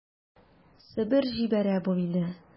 Себер җибәрә бу мине...